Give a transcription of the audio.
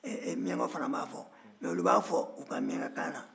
miɲankaw fana b'a fɔ nka olu b'a fɔ u ka miɲankakan na